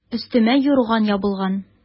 Өстемә юрган ябылган.